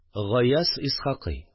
Гаяз Исхакый